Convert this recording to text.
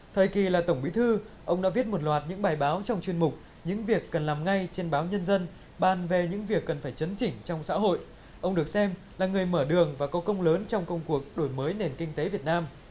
thời kỳ là tổng bí thư ông đã viết một loạt những bài báo trong chuyên mục những việc cần làm ngay trên báo nhân dân bàn về những việc cần phải chấn chỉnh trong xã hội ông được xem là người mở đường và có công lớn trong công cuộc đổi mới nền kinh tế việt nam